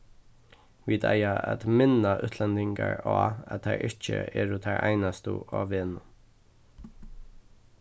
vit eiga at minna útlendingar á at teir ikki eru teir einastu á vegnum